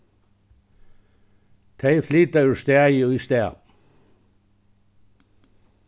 tey flyta úr staði í stað